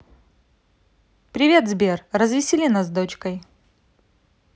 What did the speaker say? привет сбер развесели нас с дочкой